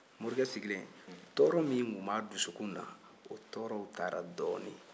morike sigilen tɔɔrɔ min tun b'a dusukun na o tɔɔrɔw taara dɔɔnin